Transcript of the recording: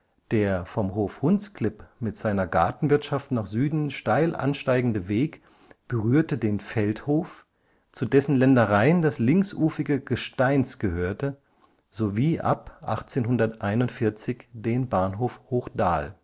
Der vom Hof Hundsklipp mit seiner Gartenwirtschaft nach Süden steil ansteigende Weg berührte den Feldhof, zu dessen Ländereien das linksufrige Gesteins gehörte, sowie ab 1841 den Bahnhof Hochdahl